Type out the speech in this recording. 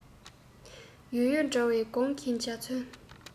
ཡོད ཡོད འདྲ བའི དགུང གི འཇའ ཚོན